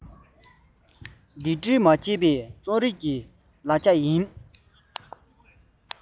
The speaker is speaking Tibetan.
སྡེབ བསྒྲིགས མ བྱས པའི རྩོམ རིག གི ཆ ལག ཡིན ལ